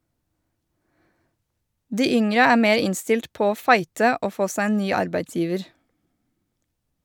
De yngre er mer innstilt på å fighte og få seg en ny arbeidsgiver.